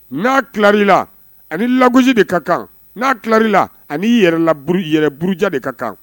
N'a tilal'i la, ani lagosi de ka kan n'a tilal'i la, ani yɛrɛlaburu yɛrɛ buruja de ka kan